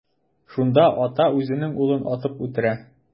Шунда ата үзенең улын атып үтерә.